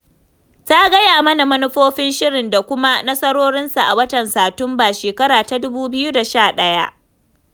Ta gaya mana manufofin shirin da kuma nasarorinsa a watan Satumbar 2011.